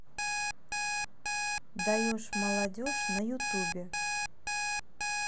даешь молодежь на ютубе